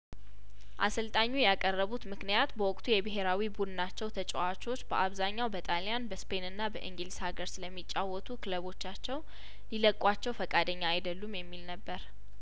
አሰልጣኙ ያቀረቡት ምክንያት በወቅቱ የብሄራዊ ቡድናቸው ተጫዋቾች በአብዛኛው በጣልያን በስፔንና በእንግሊዝ ሀገር ስለሚጫወቱ ክለቦቻቸው ሊለቋቸው ፍቃደኛ አይደሉም የሚል ነበር